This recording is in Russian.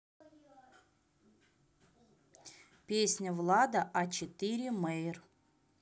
песня влада а четыре мейр